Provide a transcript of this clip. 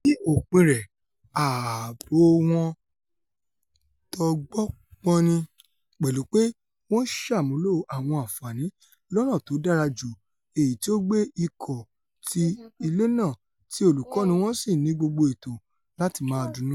Ní òpin rẹ̀, ààbò wọn tógbópọn ni, pẹ̀lú pé wọ́n ńṣàmúlò àwọn àǹfààní lọ́ná tódára jù, èyití ó gbé ikọ̀ ti ilé náà tí olùkọ́ni wọn sì ní gbogbo ẹ̀tọ́ láti máa dunnú.